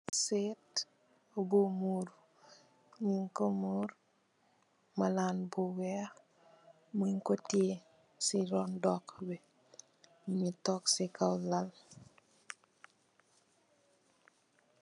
Sèt bu murr, nung ko murr malan bu weeh mën ko tè ci ron dung bi. Mungi toog ci kaw lal.